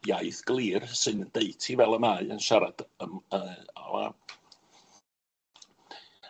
iaith glir, sy'n deud hi fel y mae, yn siarad yym yy yy.